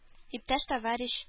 Иптәш-товарищ